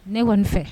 Ne kɔni nin fɛ